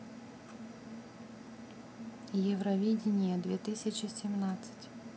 евровидение две тысячи семнадцать